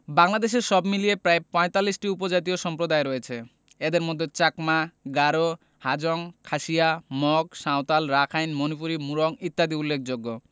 বাংলাদেশে সব মিলিয়ে প্রায় ৪৫টি উপজাতীয় সম্প্রদায় রয়েছে এদের মধ্যে চাকমা গারো হাজং খাসিয়া মগ সাঁওতাল রাখাইন মণিপুরী মুরং ইত্যাদি উল্লেখযোগ্য